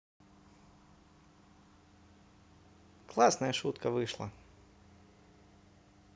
классная шутка вышла